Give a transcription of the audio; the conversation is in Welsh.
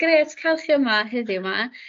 grêt ca'l chi yma heddiw 'ma.